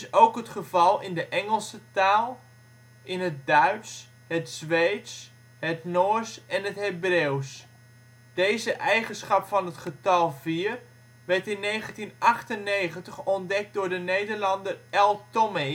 ook het geval in de Engelse taal, het Duits, het Zweeds, het Noors en het Hebreeuws. Deze eigenschap van het getal 4 werd in 1998 ontdekt door de Nederlander L. Tomeï